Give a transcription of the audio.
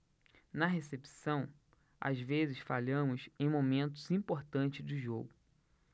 na recepção às vezes falhamos em momentos importantes do jogo